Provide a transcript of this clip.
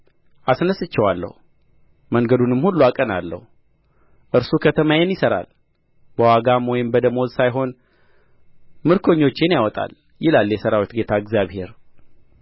አስነሥቼዋለሁ መንገዱንም ሁሉ አቀናለሁ እርሱ ከተማዬን ይሠራል በዋጋም ወይም በደመወዝ ሳይሆን ምርኮኞቼን ያወጣል ይላል የሠራዊት ጌታ እግዚአብሔር